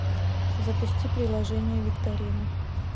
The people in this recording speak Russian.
запусти приложение викторина